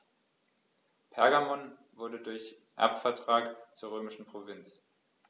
Pergamon wurde durch Erbvertrag zur römischen Provinz.